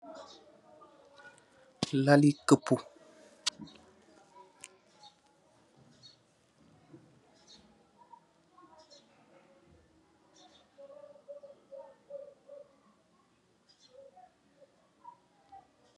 Lalli coppou la